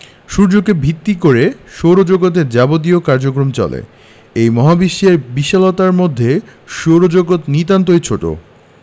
সূর্যকে ভিত্তি করে সৌরজগতের যাবতীয় কাজকর্ম চলে এই মহাবিশ্বের বিশালতার মধ্যে সৌরজগৎ নিতান্তই ছোট